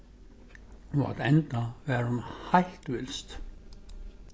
og at enda var hon heilt vilst